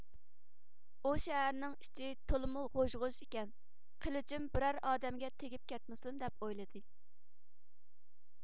ئۇ شەھەرنىڭ ئىچى تولىمۇ غوژ غوژ ئىكەن قىلىچىم بىرەر ئادەمگە تېگىپ كەتمىسۇن دەپ ئويلىدى